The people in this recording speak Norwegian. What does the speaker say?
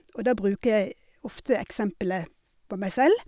Og da bruker jeg ofte eksempelet på meg selv.